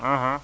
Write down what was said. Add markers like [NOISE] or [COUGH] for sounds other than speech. [HESITATION] [HESITATION]